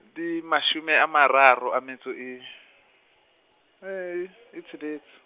di mashome a mararo a metso e, e tsheletse.